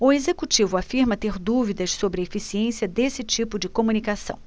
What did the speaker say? o executivo afirma ter dúvidas sobre a eficiência desse tipo de comunicação